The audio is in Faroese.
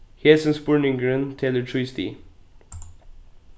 hesin spurningurin telur trý stig